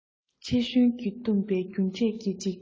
ཕྱི ཤུན གྱིས བཏུམ པའི རྒྱུ འབྲས ཀྱི འཇིག རྟེན འདི